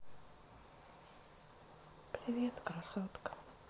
привет красотка